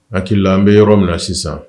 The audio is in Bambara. Hakili an bɛ yɔrɔ minna sisan